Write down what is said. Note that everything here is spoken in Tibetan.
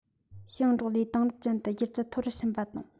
ཞིང འབྲོག ལས དེང རབས ཅན དུ སྒྱུར ཚད མཐོ རུ ཕྱིན པ དང